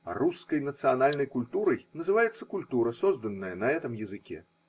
А русской национальной культурой называется культура, созданная на этом языке.